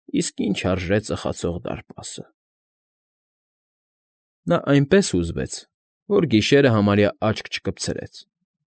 Իսկ ինչ արժե ծխացող դարպասը…»։ Նա այնպես հուզվեց, որ գիշերը համարյա աչք չկպցրեց։